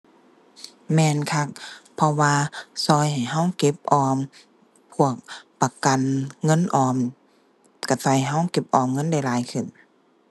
แม่นคัก เพราะว่าช่วยให้ช่วยเก็บออม พวกประกันเงินออมช่วยช่วยให้ช่วยเก็บออมเงินได้หลายขึ้น